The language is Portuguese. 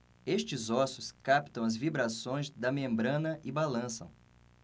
estes ossos captam as vibrações da membrana e balançam